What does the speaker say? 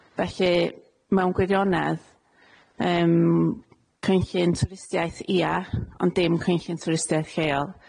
Felly mewn gwirionedd yym cynllun twristiaeth, ia, ond dim cynllun twristiaeth lleol.